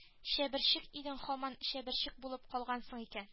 Чәберчек идең һаман чәберчек булып калгансың икән